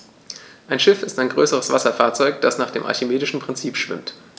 Ein Schiff ist ein größeres Wasserfahrzeug, das nach dem archimedischen Prinzip schwimmt.